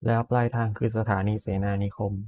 แล้วปลายทางคือสถานีเสนานิคม